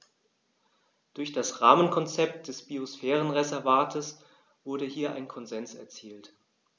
Durch das Rahmenkonzept des Biosphärenreservates wurde hier ein Konsens erzielt.